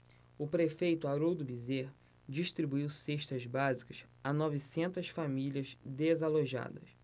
o prefeito haroldo bezerra distribuiu cestas básicas a novecentas famílias desalojadas